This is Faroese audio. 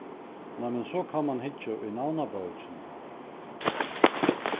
nei men so kann mann hyggja í navnabókina